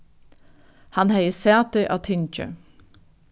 hann hevði sæti á tingi